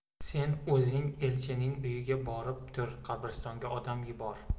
sen o'zing elchinning uyiga borib tur qabristonga odam yubor